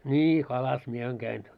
niin kalassa minä aina kävin